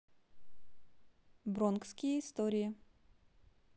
бронкские истории